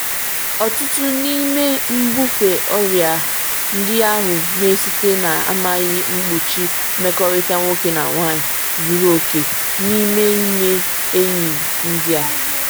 Ọtụtụ n’ime mbufe ọrịa ndị ahụ na esite na-emeghị mkpuchi mmekọrịta nwoke na nwanyị zuru oke n’ime ịme enyi ndị a.